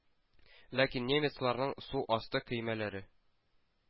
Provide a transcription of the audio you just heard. Ләкин немецларның су асты көймәләре